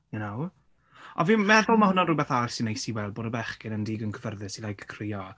You know? A fi'n meddwl mae hwnna'n rhywbeth arall sy'n neis i weld bod y bechgyn yn digon cyfforddus i like crio...